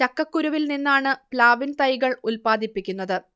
ചക്കക്കുരുവിൽ നിന്നാണ് പ്ലാവിൻ തൈകൾ ഉൽപാദിപ്പിക്കുന്നത്